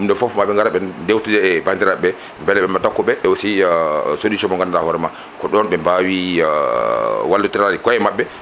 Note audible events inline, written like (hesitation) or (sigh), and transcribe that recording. ɗum ɗon foof mooɓe gar ɓe jewtida e bandiraɓeɓe beele mooɓe dokkuɓe e aussi (hesitation) solution mo ganduɗa hoorema ko ɗon ɓe mbawi (hesitation) walliturade koye mabɓe